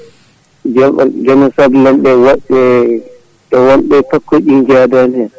joom en joom en soble en ɓe e wodɓe e wonɓe e takkoji ɗi jaadani hen